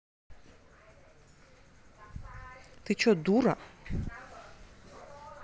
ты че дура